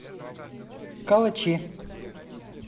калачи